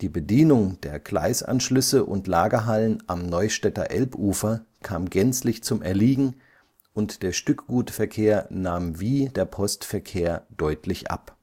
Bedienung der Gleisanschlüsse und Lagerhallen am Neustädter Elbufer kam gänzlich zum Erliegen und der Stückgutverkehr nahm wie der Postverkehr deutlich ab